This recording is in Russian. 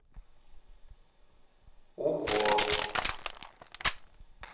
уход